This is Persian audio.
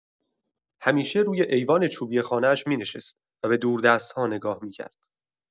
همیشه روی ایوان چوبی خانه‌اش می‌نشست و به دوردست‌ها نگاه می‌کرد.